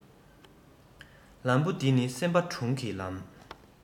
ལམ བུ འདི ནི སེམས པ དྲུང གི ལམ